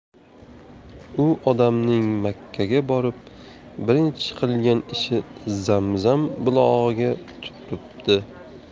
u odamning makkaga borib birinchi qilgan ishi zamzam bulog'iga tupuribdi